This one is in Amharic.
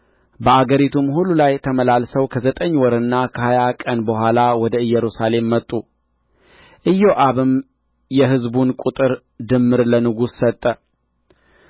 በአገሪቱም ሁሉ ላይ ተመላልሰው ከዘጠኝ ወርና ከሀያ ቀን በኋላ ወደ ኢየሩሳሌም መጡ ኢዮአብም የሕዝቡን ቁጥር ድምር ለንጉሡ ሰጠ